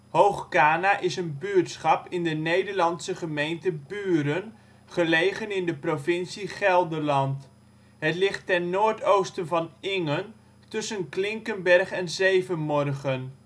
Hoog Kana is een buurtschap in de Nederlandse gemeente Buren, gelegen in de provincie Gelderland. Het ligt ten noordoosten van Ingen tussen Klinkenberg en Zevenmorgen